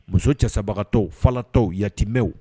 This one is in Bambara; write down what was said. Muso cɛsabagatɔ fa tɔw yamɛw